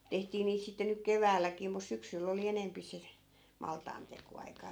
tehtiin niitä sitten nyt keväälläkin mutta syksyllä oli enempi se maltaantekoaika